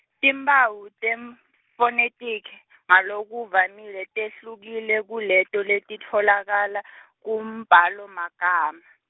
timphawu tefonethiki ngalokuvamile tehlukile kuleto letitfolakala , kumbhalomagama.